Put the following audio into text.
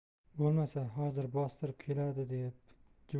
bo'lmasa hozir bostirib keladi